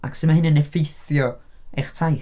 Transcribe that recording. Ac sut mae hynna'n effeithio eich taith.